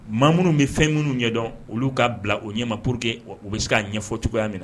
Maa minnu bɛ fɛn minnu ɲɛ dɔn olu ka bila u ɲɛmaorourke o bɛ se k'a ɲɛ ɲɛfɔ cogoyaya minɛ na